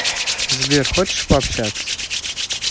сбер хочешь пообщаться